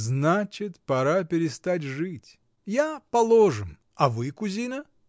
— Значит, пора перестать жить. Я — положим, а вы, кузина?